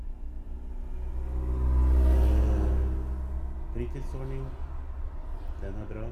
Fritidsordning, den er bra.